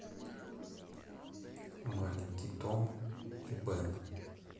маленький том и бен